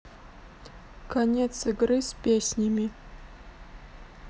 конец игры с песнями